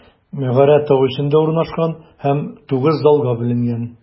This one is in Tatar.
Мәгарә тау эчендә урнашкан һәм тугыз залга бүленгән.